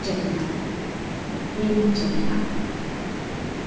jamila mening jamilam